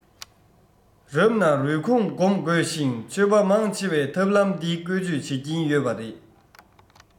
རབ ན རུས གོང བསྒོམ དགོས ཤིང ཆོས པ མང ཆེ བས ཐབས ལམ འདི བཀོལ སྤྱོད བྱེད ཀྱིན ཡོད པ རེད